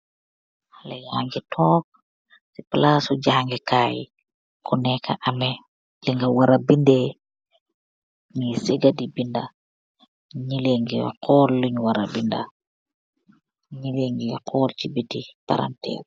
Haleh yagi toog si palaci jangeh kai kuneka aameh li nga wara bende nyu gi sega di benda nyi leen geh cool lun wara benda nyileen geh cool c beeti palanterr bi.